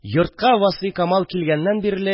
Йортка Васфикамал килгәннән бирле